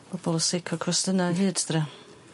Pobol yn sic o cwestyna o hyd druan.